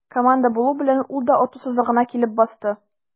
Команда булу белән, ул да ату сызыгына килеп басты.